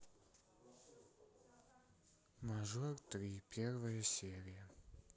мажор три первая серия